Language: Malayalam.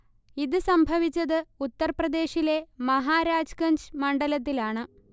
ഇത് സംഭവിച്ചത് ഉത്തർ പ്രദേശിലെ മഹാരാജ്ഗഞ്ച് മണ്ഡലത്തിലാണ്